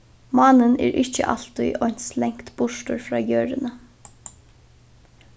mánin er ikki altíð eins langt burtur frá jørðini